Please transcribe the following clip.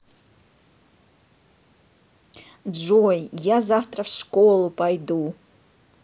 джой я завтра в школу пойду